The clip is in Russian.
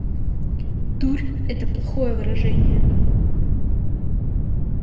дурь это плохое выражение